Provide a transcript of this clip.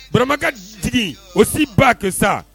Barauramakɛtigi o si ba kɛ sa